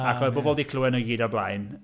Ac oedd pobl 'di clywed nhw i gyd o'r blaen.